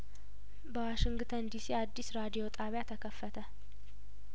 በዋሽንግተን ዲሲ አዲስ ራዲዮ ጣቢያ ተከፈተ